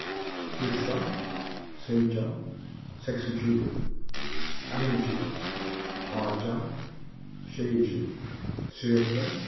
fjúrtan seytjan seksogtjúgu einogtjúgu átjan sjeyogtjúgu tretivu